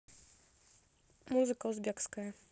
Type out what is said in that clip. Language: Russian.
музыка узбекская